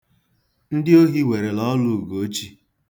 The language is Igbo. Ndị ohi werele ọla Ugochi.